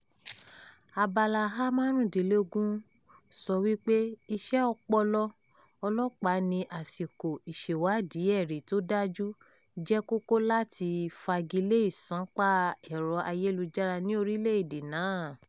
Abala 15a sọ wípé “iṣẹ́ ọpọlọ” ọlọ́pàá ní àsìkò "ìṣèwádìí ẹ̀rí tó dájú" jẹ́ kókó láti fagilé ìṣánpá ẹ̀rọ ayélujára ní orílẹ̀ èdè náà.